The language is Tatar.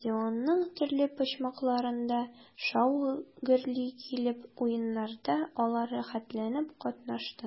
Стадионның төрле почмакларында шау-гөр килеп уеннарда алар рәхәтләнеп катнашты.